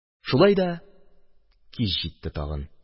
Шулай да кич җитте тагын.